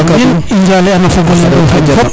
amiin i njala an o fogole ndofan fop